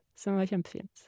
Som var kjempefint.